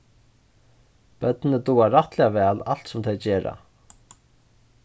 børnini duga rættiliga væl alt sum tey gera